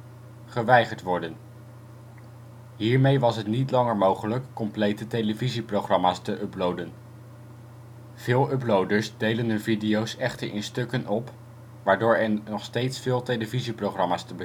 geweigerd worden. Hiermee was het niet langer mogelijk complete televisieprogramma 's te uploaden. Veel uploaders delen hun video 's echter in stukken op, waardoor er nog steeds veel televisieprogramma 's te